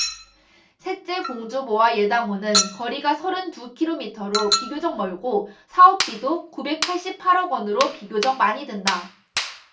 셋째 공주보와 예당호는 거리가 서른 두 키로미터로 비교적 멀고 사업비도 구백 팔십 팔 억원으로 비교적 많이 든다